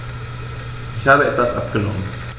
Ich habe etwas abgenommen.